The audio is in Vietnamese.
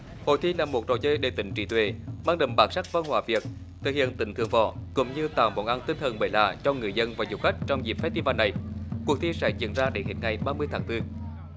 hội thi là một trò chơi đầy tính trí tuệ mang đậm bản sắc văn hóa việt thực hiện tính thượng võ cũng như tạo món ăn tinh thần mới lạ cho người dân và du khách trong dịp phét ti van này cuộc thi sẽ diễn ra đến hết ngày ba mươi tháng tư